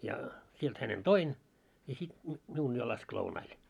ja sieltä hänet toin ja sitten nyt minun jo laski lounaalle